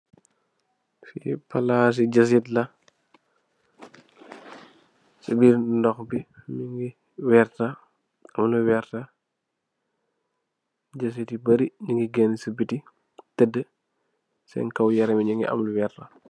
Palaas ci jazit la, ci biir ndoh bi mungi vert, am lu vert. Jazit yu bari nungi gënn ci biti tadd, senn kaw yaram yi nung am lu vert.